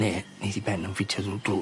Ne, neith i ben yn ffitio drw drws.